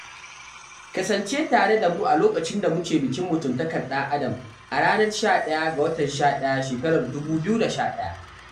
Kasance tare da mu a lakacin da muke bikin mutuntakar ɗan-adam a ranar 11/11/11.